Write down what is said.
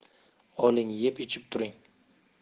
oling yeb ichib turing